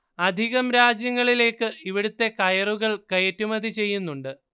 അധികം രാജ്യങ്ങളിലേക്ക് ഇവിടത്തെ കയറുകൾ കയറ്റുമതി ചെയ്യുന്നുണ്ട്